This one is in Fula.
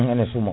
ene suuma